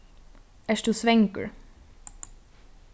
ert tú svangur